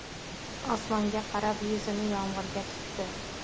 osmonga qarab yuzini yomg'irga tutdi